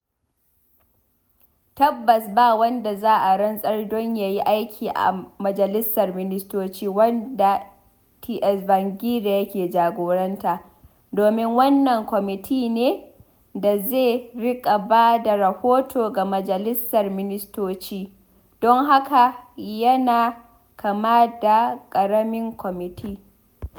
Tabbas, ba wanda za a rantsar don ya yi aiki a Majalisar Ministoci (wadda Tsvangirai yake jagoranta), domin wannan kwamiti ne da zai riƙa ba da rahoto ga majalisar ministoci, don haka yana kama da ƙaramin kwamiti.